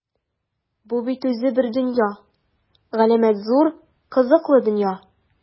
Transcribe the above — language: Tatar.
Бу бит үзе бер дөнья - галәмәт зур, кызыклы дөнья!